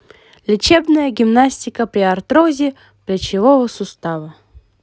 лечебная гимнастика при артрозе плечевого сустава